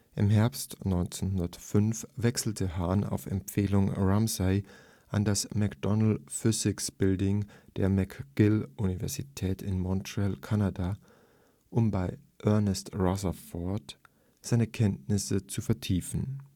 Herbst 1905 wechselte Hahn auf Empfehlung von Ramsay an das McDonald Physics Building der McGill-Universität in Montreal, Kanada, um bei Ernest Rutherford seine Kenntnisse zu vertiefen